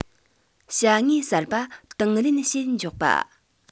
བྱ དངོས གསར པ དང ལེན བྱེད མགྱོགས པ